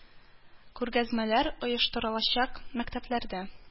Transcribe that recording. Күргәзмәләр оештырылачак, мәктәпләрдә